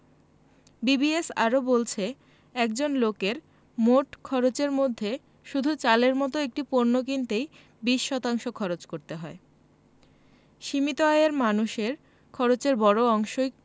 BBS আরও বলছে একজন লোকের মোট খরচের মধ্যে শুধু চালের মতো একটি পণ্য কিনতেই ২০ শতাংশ খরচ করতে হয় সীমিত আয়ের মানুষের খরচের বড় অংশই